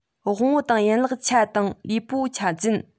དབང པོ དང ཡན ལག ཆ དང ལུས པོ ཆ ཅན